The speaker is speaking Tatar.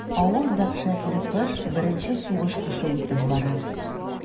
Авыр дәһшәтле кыш, беренче сугыш кышы үтеп бара.